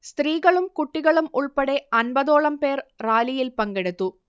സ്ത്രീകളും കുട്ടികളും ഉൾപ്പെടെ അൻപതോളം പേർ റാലിയിൽ പങ്കെടുത്തു